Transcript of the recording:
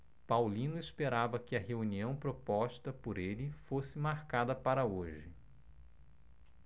paulino esperava que a reunião proposta por ele fosse marcada para hoje